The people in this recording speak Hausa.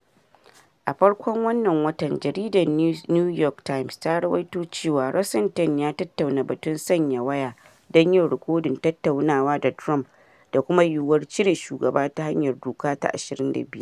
A farkon wannan watan, jaridar New York Times ta ruwaito cewa Rosenstein ya tattauna batun sanya waya don yin rikodin tattaunawa da Trump da kuma yiwuwar cire shugaban ta hanyar doka ta 25.